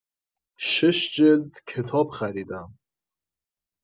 شش جلد کتاب خریدم